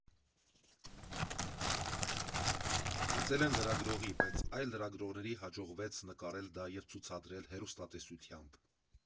Ծեծել են լրագրողի, բայց այլ լրագրողների հաջողվեց նկարել դա և ցուցադրել հեռուստատեսությամբ։